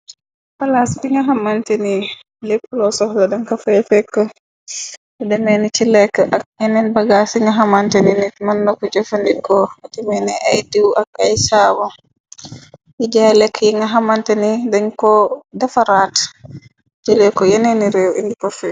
Palaas bi nga xamante ni lepp loo sox la dañ kafey fekk, lu demee ni ci lekk ak yeneen bagaas yi nga xamante ni, nit mën naku jëfandikoo, li ci melne ay diiw ak ay saabu, di jaay lekk yi nga xamante ni dañ ko defa raat jëleeko yeneenni réew in di ko fii.